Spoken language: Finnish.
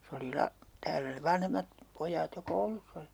se oli - täällä sen vanhemmat pojat jo koulussa oli